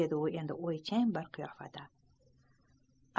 dedi u endi o'ychan bir qiyofada